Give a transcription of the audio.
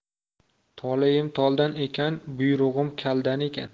toleyim toldan ekan buyrug'im kaldan ekan